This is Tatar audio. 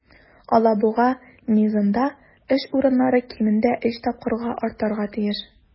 "алабуга" мизында эш урыннары кимендә өч тапкырга артарга тиеш.